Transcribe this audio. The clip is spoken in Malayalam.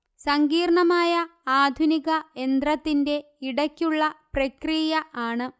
സങ്കീർണമായ ആധുനിക യന്ത്രത്തിന്റെ ഇടയ്ക്കുള്ള പ്രക്രിയ ആണ്